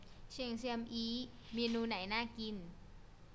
เซงเซียมอี๊เมนูไหนน่ากิน